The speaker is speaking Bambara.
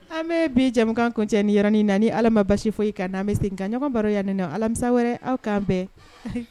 An bɛ bija kun cɛ ni yɛrɛin na ala ma basi foyi kan' an bɛ segin ka ɲɔgɔn baro yanani na alamisa wɛrɛ aw k'an bɛn